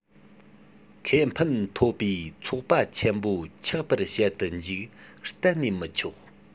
ཁེ ཕན ཐོབ པའི ཚོགས པ ཆེན པོ ཆགས པར བྱེད དུ འཇུག གཏན ནས མི ཆོག